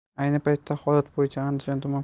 ayni paytda holat bo'yicha andijon tuman